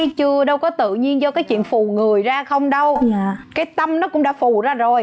thấy chưa đâu có tự nhiên do cái chuyện phù người ra không đâu cái tâm nó cũng đã phù ra rồi